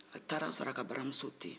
a taara sɔrɔ a ka baramuso tɛ yen